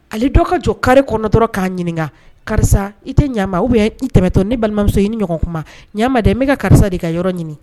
Ale dɔ ka jɔ kari kɔnɔtɔ k'a ɲininka karisa i tɛ ɲama u i tɛmɛtɔ ni balimamuso in ni ɲɔgɔn kuma ɲaden bɛka ka karisa de ka yɔrɔ ɲini